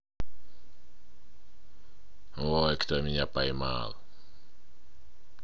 ой кто меня поймал